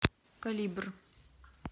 калибр